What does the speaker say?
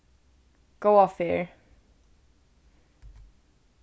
góða ferð